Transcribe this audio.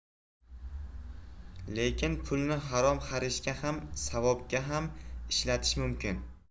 lekin pulni harom xarishga ham savobga ham ishlatish mumkin